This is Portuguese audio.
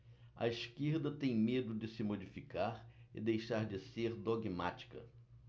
a esquerda tem medo de se modificar e deixar de ser dogmática